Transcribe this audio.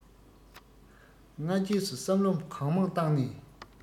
སྔ རྗེས སུ བསམ བློ གང མང བཏང ནས